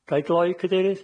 Ga i gloi, Cadeirydd?